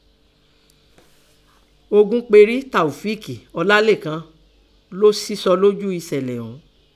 Ògúnperí Tàòfíìk Ọlálékan lọ́ sísọ lójúu èṣẹ̀lẹ̀ ọ̀ún.